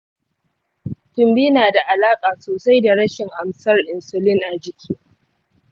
tumbi na da alaƙa sosai da rashin amsar insulin a jiki.